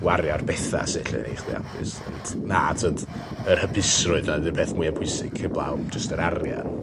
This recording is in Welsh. gwario ar betha sy 'llu neu' chdi hapus ond na t'od yr hapusrwydd 'na 'di'r peth mwya pwysig heblaw am jyst yr arian.